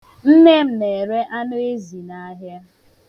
Nne m na-ere anụezi n'ahịa.